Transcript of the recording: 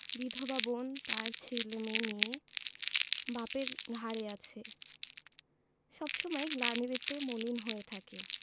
বিধবা বোন চার ছেলেমেয়ে নিয়ে বাপের ঘাড়ে আছে সব সময় গ্লানিতে মলিন হয়ে থাকে